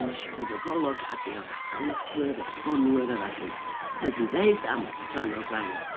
Wnes i fwrw golwg ar be oedd adolygwyr, esbonwyr a ballu wedi ddeud am Flan O'Brien.